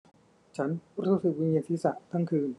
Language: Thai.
ฉันรู้สึกวิงเวียนศีรษะทั้งคืน